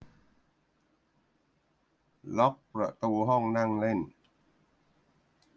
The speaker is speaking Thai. ล็อคประตูห้องนั่งเล่น